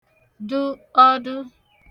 dụ ọdụ